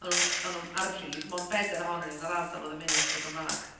O'n nhw'n t- o'n nhw'n... Ar y pryd mond bedair ohonon ni yn yr ardal oedd yn mynd i ysgol Gymraeg.